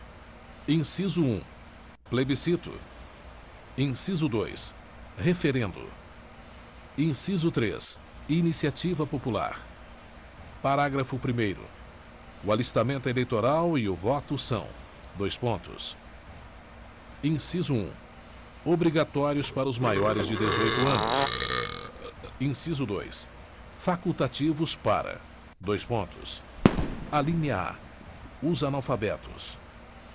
inciso um plebiscito inciso dois referendo inciso três iniciativa popular parágrafo primeiro o alistamento eleitoral e o voto são dois pontos inciso um obrigatórios para os maiores de dezoito anos inciso dois facultativos para dois pontos alínea a os analfabetos